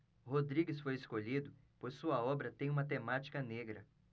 rodrigues foi escolhido pois sua obra tem uma temática negra